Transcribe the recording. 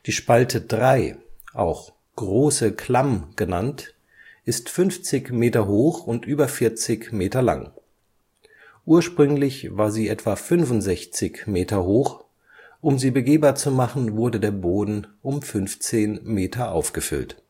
Spalte 3, auch Große Klamm genannt, ist 50 Meter hoch und über 40 Meter lang. Ursprünglich war sie etwa 65 Meter hoch; um sie begehbar zu machen, wurde der Boden um 15 Meter aufgefüllt